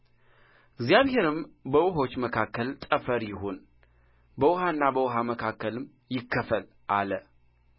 እግዚአብሔርም በውኆች መካከል ጠፈር ይሁን በውኃና በውኃ መካከልም ይክፈል አለ